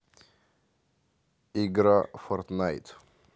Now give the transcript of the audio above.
игра фортнайт